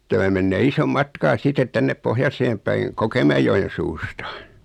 tämä menee ison matkaa sitten tänne pohjoiseen päin Kokemäenjoen suusta